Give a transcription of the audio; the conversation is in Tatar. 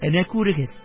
Әнә күрегез: